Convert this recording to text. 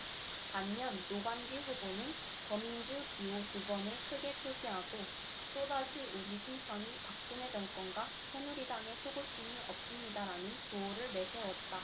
반면 노관규 후보는 더민주 기호 두 번을 크게 표시하고 또다시 우리 순천이 박근혜 정권과 새누리당에 속을 수는 없습니다라는 구호를 내세웠다